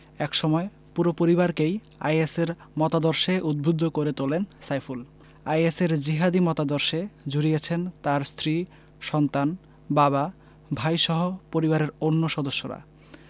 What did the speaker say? একসময় পুরো পরিবারকেই আইএসের মতাদর্শে উদ্বুদ্ধ করে তোলেন সাইফুল আইএসের জিহাদি মতাদর্শে জড়িয়েছেন তাঁর স্ত্রী সন্তান বাবা ভাইসহ পরিবারের অন্য সদস্যরা